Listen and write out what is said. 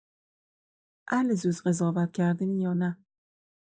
اهل زود قضاوت کردنی یا نه؟